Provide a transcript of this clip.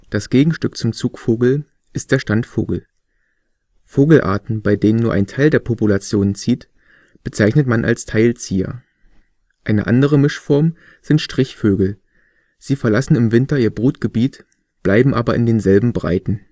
Das Gegenstück zum Zugvogel ist der Standvogel. Vogelarten, bei denen nur ein Teil der Populationen zieht, bezeichnet man als Teilzieher. Eine andere Mischform sind Strichvögel: Sie verlassen im Winter ihr Brutgebiet, bleiben aber in denselben Breiten